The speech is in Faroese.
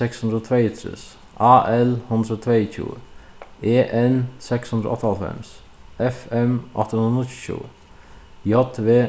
seks hundrað og tveyogtrýss a l hundrað og tveyogtjúgu e n seks hundrað og áttaoghálvfems f m átta hundrað og níggjuogtjúgu j v